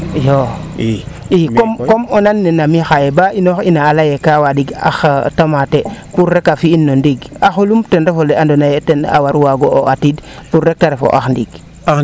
iyoo i comme o nan neena mi xaye baa i noox ina a leye kaa awandiq ax tomate pour rek a fiyin no ndiing axo lum ten ref ole ando naye tena a waru waago atiid pour rek te ref ax ndiing